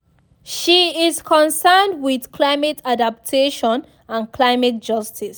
She is concerned with climate adaptation and climate justice.